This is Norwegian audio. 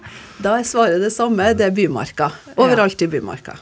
da er svaret det samme, det er bymarka overalt i bymarka.